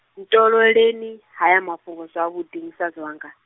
ntooleleni, haya mafhungo zwavhuḓi musadzi wanga.